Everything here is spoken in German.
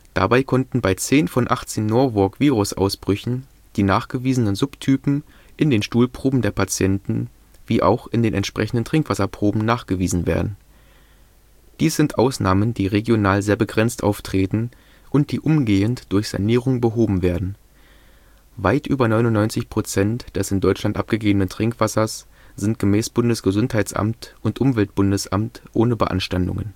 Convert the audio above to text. Dabei konnten bei 10 von 18 Norwalk-Virus-Ausbrüchen die nachgewiesenen Subtypen in den Stuhlproben der Patienten, wie auch in den entsprechenden Trinkwasserproben nachgewiesen werden. Dies sind Ausnahmen, die regional sehr begrenzt auftreten und die umgehend durch Sanierung behoben werden. Weit über 99 % des in Deutschland abgegebenen Trinkwassers sind gemäß Bundesgesundheitsamt und Umweltbundesamt ohne Beanstandungen